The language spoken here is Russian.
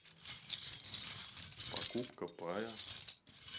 покупка пая